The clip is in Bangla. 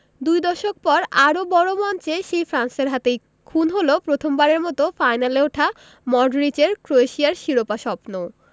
দুই দশক পর আরও বড় মঞ্চে সেই ফ্রান্সের হাতেই খুন হল প্রথমবারের মতো ফাইনালে ওঠা মডরিচের ক্রোয়েশিয়ার শিরোপা স্বপ্ন